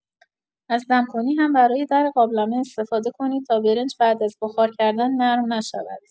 از دم کنی هم برای در قابلمه استفاده کنید تا برنج بعد از بخار کردن نرم نشود.